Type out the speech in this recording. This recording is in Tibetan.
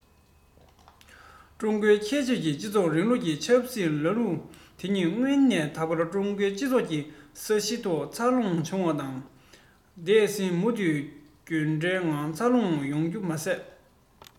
ཀྲུང གོའི ཁྱད ཆོས ཀྱི སྤྱི ཚོགས རིང ལུགས ཀྱི ཆབ སྲིད ལམ ལུགས དེ ཉིད སྔོན ནས ད བར ཀྲུང གོའི སྤྱི ཚོགས ཀྱི ས གཞིའི ཐོག འཚར ལོངས བྱུང བ དང སླད ཕྱིན མུ མཐུད སྐྱོན བྲལ ངང འཚར ལོངས ཡོང རྒྱུ མ ཟད